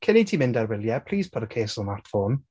Cyn i ti mynd ar wyliau, please put a case on that phone.